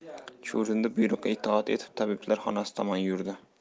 chuvrindi buyruqqa itoat etib tabiblar xonasi tomon yurdi